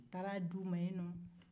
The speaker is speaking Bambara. a taara a di u man yennɔ